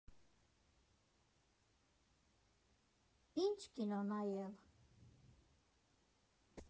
Ի՞նչ կինո նայել։